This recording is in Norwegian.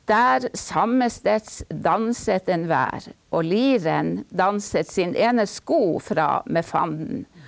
der sammesteds danset enhver, og liren danset sin ene sko fra med fanden.